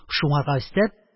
. шуңарга өстәп